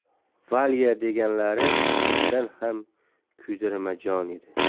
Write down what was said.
valya deganlari chindan ham kuydirmajon edi